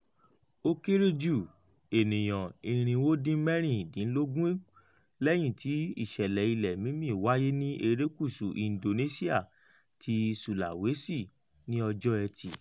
O kere ju eniyan 384 lẹhin ti ìṣẹlẹ ilẹ mimi waye ni erekuṣu Indonesia ti Sulawesi ni Ọjọ Ẹtì.